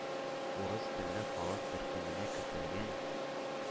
«урыс телле халык» төркеменә кертелгән